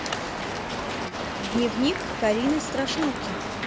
дневник карины страшилки